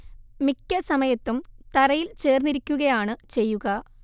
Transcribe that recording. മിക്ക സമയത്തും തറയിൽ ചേർന്നിരിക്കുകയാണ് ചെയ്യുക